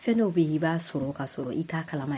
Fɛnw b bɛ ii b'a sɔrɔ o ka sɔrɔ i t'a kala ye